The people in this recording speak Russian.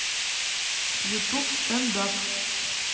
ютуб стенд ап